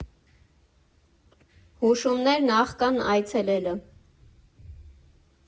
Հուշումներ նախքան այցելելը։